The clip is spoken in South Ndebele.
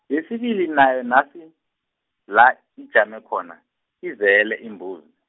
yesibili nayo nasi, la, ijame khona, izele iimbuzi.